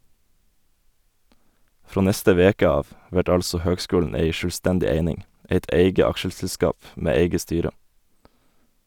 Frå neste veke av vert altså høgskulen ei sjølvstendig eining, eit eige aksjeselskap med eige styre.